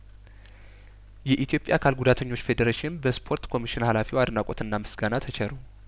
የኢትዮጵያ አካል ጉዳተኞች ፌዴሬሽን በስፖርት ኮሚሽን ሀላፊው አድናቆትናምስጋና ተቸረው